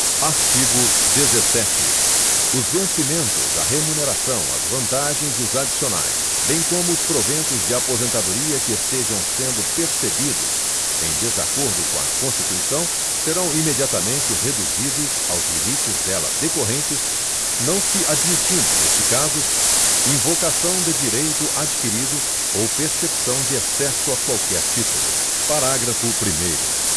artigo dezessete os vencimentos a remuneração as vantagens e os adicionais bem como os proventos de aposentadoria que estejam sendo percebidos em desacordo com a constituição serão imediatamente reduzidos aos limites dela decorrentes não se admitindo neste caso invocação de direito adquirido ou percepção de excesso a qualquer título parágrafo primeiro